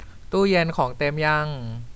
ตู้เย็นของเต็มยัง